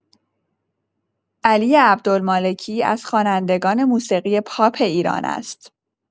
علی عبدالمالکی از خوانندگان موسیقی پاپ ایران است.